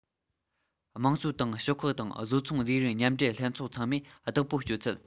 དམངས གཙོའི ཏང ཤོག ཁག དང བཟོ ཚོང ལས རིགས མཉམ འབྲེལ ལྷན ཚོགས ཚང མས བདག པོའི སྤྱོད ཚུལ